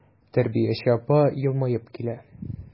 Тәрбияче апа елмаеп килә.